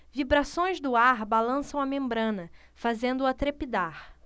vibrações do ar balançam a membrana fazendo-a trepidar